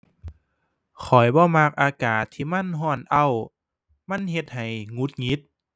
ข้อยบ่มักอากาศที่มันร้อนอ้าว มันเฮ็ดให้หงุดหงิด